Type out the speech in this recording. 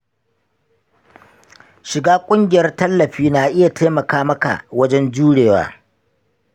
shiga ƙungiyar tallafi na iya taimaka maka wajen jurewa.